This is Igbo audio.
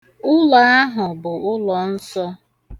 Ụlọ ahụ bụ ụlọ nsọ.